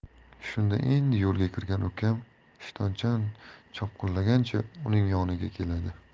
shunda endi yo'lga kirgan ukam ishtonchan chopqillagancha uning yoniga keladi